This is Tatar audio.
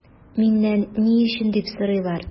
Миннән “ни өчен” дип сорыйлар.